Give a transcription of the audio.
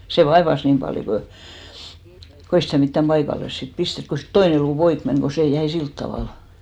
se vaivasi niin paljon kun kun ei sitä mitään paikalleen sitten pistetty kun siitä toinen luu poikki meni kun se jäi sillä tavalla